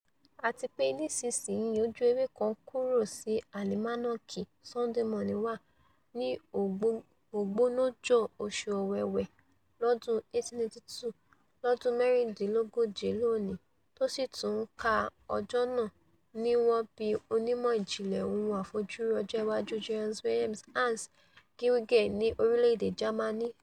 Àtipé nísinsìnyí ojú-ewé kan kúrò sí Álimánáàkì ''Sunday Morning'' wa: Ní Ọgbọ̀nọjọ́ oṣù Owewe, lọ́dún 1882, lọ́dún mẹ̵́rìndínlógóje lóòní, tósì tún ŃKA... ọjọ́ náà ni wọ́n bí onímọ̀ ìjìnlẹ ohun àfojúrí ọjọ́ iwájú Johannes Wilhelm ''Hans'' Geiger ní orílẹ̀-èdè Jamani.